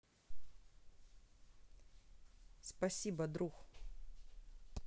спасибо друг